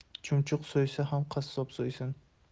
chumchuq so'ysa ham qassob so'ysin